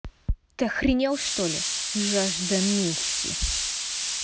ты охренел что ли жажда мести